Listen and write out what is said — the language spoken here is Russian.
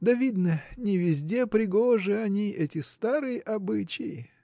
Да, видно, не везде пригожи они, эти старые обычаи!